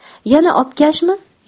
yana obkashmi